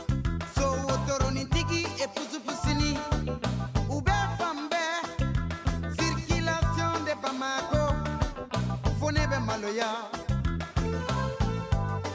Sowotoronintigi et poussepousse ni u bɛ fan bɛɛ circulation de Bamako fo ne bɛ maloya